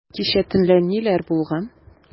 Кичә төнлә ниләр булган?